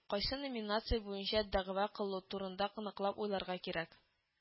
Кайсы номинация буенча дәгъва кылу турында ныклап уйларга кирәк: